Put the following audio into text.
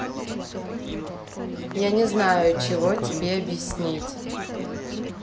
я не знаю чего тебе объяснить